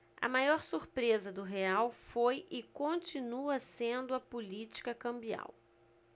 a maior surpresa do real foi e continua sendo a política cambial